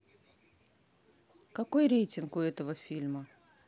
какой рейтинг у этого фильма